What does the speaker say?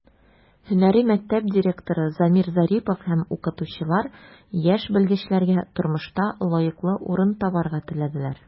Һөнәри мәктәп директоры Замир Зарипов һәм укытучылар яшь белгечләргә тормышта лаеклы урын табарга теләделәр.